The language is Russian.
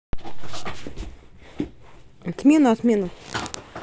отмена отмена